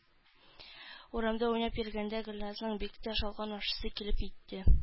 Урамда уйнап йөргәндә Гөльназның бик тә шалкан ашыйсы килеп китте